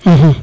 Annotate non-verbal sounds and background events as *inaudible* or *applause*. *hesitation* *hesitation*